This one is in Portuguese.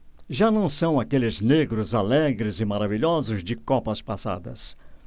já não são aqueles negros alegres e maravilhosos de copas passadas